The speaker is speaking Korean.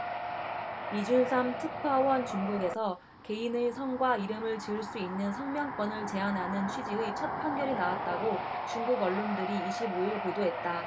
이준삼 특파원 중국에서 개인의 성과 이름을 지을 수 있는 성명권을 제한하는 취지의 첫 판결이 나왔다고 중국언론들이 이십 오 일 보도했다